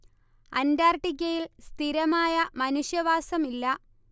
അന്റാർട്ടിക്കയിൽ സ്ഥിരമായ മനുഷ്യവാസമില്ല